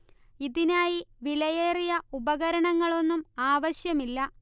ഇതിനായി വിലയേറിയ ഉപകരണങ്ങളൊന്നും ആവശ്യമില്ല